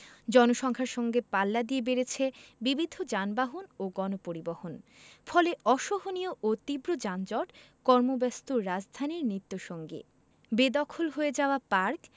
জনসংখ্যার সঙ্গে পাল্লা দিয়ে বেড়েছে বিবিধ যানবাহন ও গণপরিবহন ফলে অসহনীয় ও তীব্র যানজট কর্মব্যস্ত রাজধানীর নিত্যসঙ্গী বেদখল হয়ে যাওয়া পার্ক